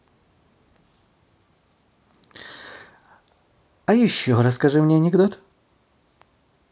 а еще расскажи мне анекдот